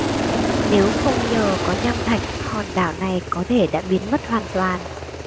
nếu không nhờ có nham thạch hòn đảo này có thể đã biến mất hoàn toàn